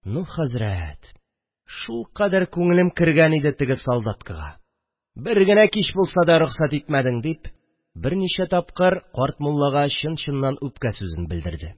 – ну, хәзрәт, шулкадәр күңелем кергән иде теге солдаткага, бер генә кич булса да рөхсәт итмәдең, – дип берничә тапкыр карт муллага чын-чыннан үпкә сүзен белдерде